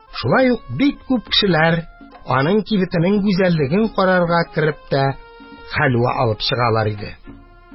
Шулай ук бик күп кешеләр аның кибетенең гүзәллеген карарга кереп тә хәлвә алып чыгалар иде.